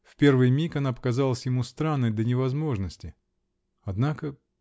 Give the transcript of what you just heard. В первый миг она показалась ему странной до невозможности. "Однако.